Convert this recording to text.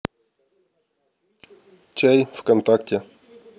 чай в контакте